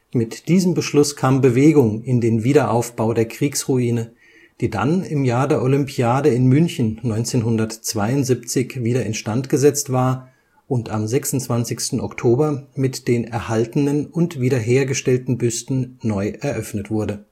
Mit diesem Beschluss kam Bewegung in den Wiederaufbau der Kriegsruine, die dann im Jahr der Olympiade in München 1972 wieder instandgesetzt war und am 26. Oktober mit den erhaltenen und wiederhergestellten Büsten neu eröffnet wurde